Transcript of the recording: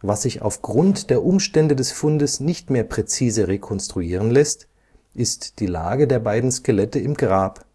Was sich aufgrund der Umstände des Fundes nicht mehr präzise rekonstruieren lässt, ist die Lage der beiden Skelette im Grab.